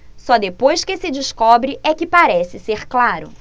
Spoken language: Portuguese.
só depois que se descobre é que parece ser claro